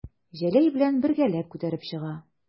Җәләй белән бергәләп күтәреп чыга.